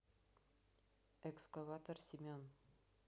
экскаватор семен